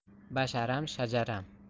basharam shajaram